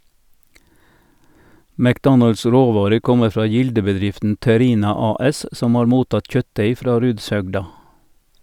McDonalds råvarer kommer fra Gilde-bedriften Terina AS som har mottatt kjøttdeig fra Rudshøgda.